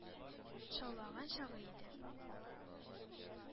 Шаулаган чагы иде.